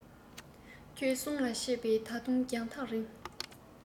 ཁྱེད གསུང ལས མཆེད པའི ད དུང རྒྱང ཐག རིང